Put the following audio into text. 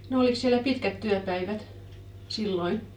no olikos siellä pitkät työpäivät silloin